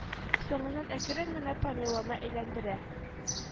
Соңыннан әкрен генә памелоны әйләндерә